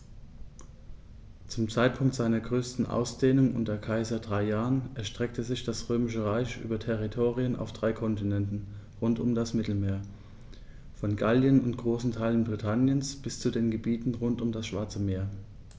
Zum Zeitpunkt seiner größten Ausdehnung unter Kaiser Trajan erstreckte sich das Römische Reich über Territorien auf drei Kontinenten rund um das Mittelmeer: Von Gallien und großen Teilen Britanniens bis zu den Gebieten rund um das Schwarze Meer.